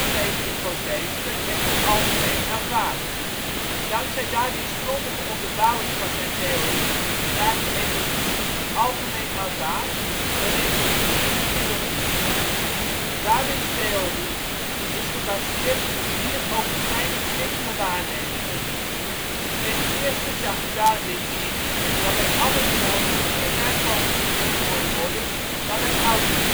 deze hypotheses werd echter algemeen aanvaard. Dankzij Darwins grondige onderbouwing van zijn theorie raakte evolutie algemeen aanvaard, een revolutie in de biologie. Darwins theorie is gebaseerd op vier ogenschijnlijk simpele waarnemingen. Ten eerste zag Darwin in dat bij alle soorten meer nakomelingen geboren worden dan er ouders zijn